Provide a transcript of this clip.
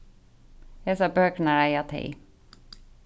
hasar bøkurnar eiga tey